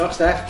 Dolch Steff!